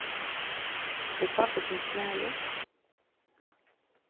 er pápi tín smæðin